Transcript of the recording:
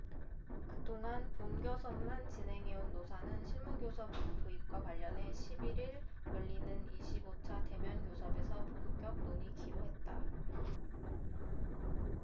그 동안 본교섭만 진행해온 노사는 실무교섭 도입과 관련해 십 일 일 열리는 이십 오 차 대면교섭에서 본격 논의키로 했다